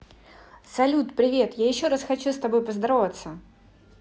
салют привет я еще раз хочу с тобой поздороваться